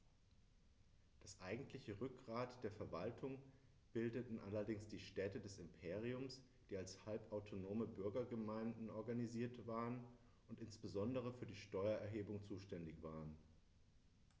Das eigentliche Rückgrat der Verwaltung bildeten allerdings die Städte des Imperiums, die als halbautonome Bürgergemeinden organisiert waren und insbesondere für die Steuererhebung zuständig waren.